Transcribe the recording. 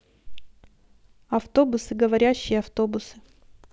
автобусы говорящие автобусы